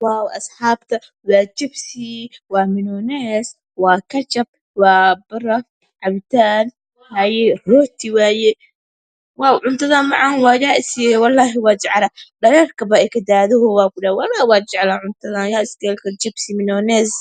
Wow asxaabta. waa jibsi, waa miinays, waa ka jab, waa baroor, waa cabitaan, Haye rooti waaye. Wow cuntadaan macaan waaye yaa isiyo, wallaahi waa jeclahay dhareyrka baa iga daadahooyo ku dhahay. wallaahi waa jeclahay cuntadaan yaa iska heli karo:jabsi, miinays.